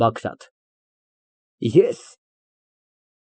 ԲԱԳՐԱՏ ֊ Ե՞ս։